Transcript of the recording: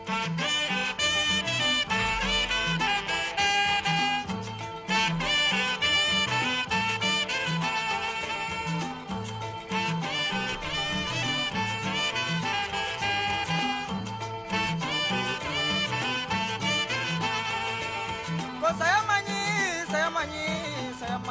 Maa muso sɛ